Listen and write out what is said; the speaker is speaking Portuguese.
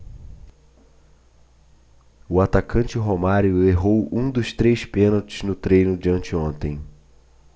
o atacante romário errou um dos três pênaltis no treino de anteontem